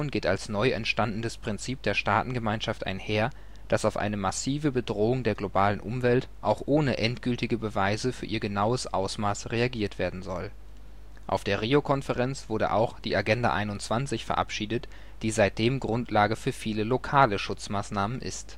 geht als neu entstandenes Prinzip der Staatengemeinschaft einher, dass auf eine massive Bedrohung der globalen Umwelt auch ohne endgültige Beweise für ihr genaues Ausmaß reagiert werden soll. Auf der Rio-Konferenz wurde auch die Agenda 21 verabschiedet, die seitdem Grundlage für viele lokale Schutzmaßnahmen ist